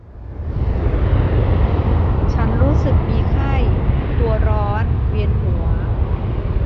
ฉันรู้สึกมีไข้ตัวร้อนเวียนหัว